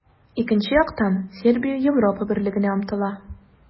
Икенче яктан, Сербия Европа Берлегенә омтыла.